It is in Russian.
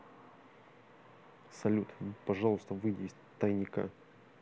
салют пожалуйста выйди из тайника